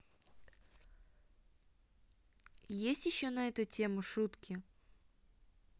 есть еще на эту тему шутки